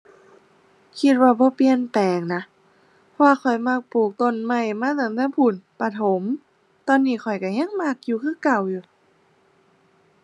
คิดว่าบ่เปลี่ยนแปลงนะ เพราะว่าข้อยมักปลูกต้นไม้มาตั้งแต่พู้น ประถม ตอนนี้ข้อยก็ยังมักอยู่คือเก่าอยู่